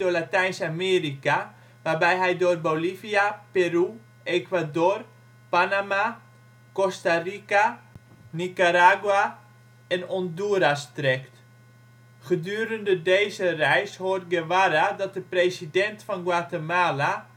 Latijns-Amerika waarbij hij door Bolivia, Peru, Ecuador, Panama, Costa Rica, Nicaragua en Honduras trekt. Gedurende deze reis hoort Guevara dat de president van Guatemala